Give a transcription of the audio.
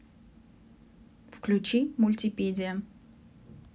включи мультипедия